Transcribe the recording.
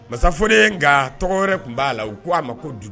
Masaf nka tɔgɔ wɛrɛ tun b'a la ko' a ma